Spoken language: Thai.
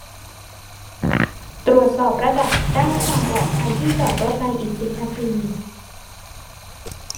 ตรวจสอบระดับด้านความปลอดภัยที่จอดรถในอีกสิบนาที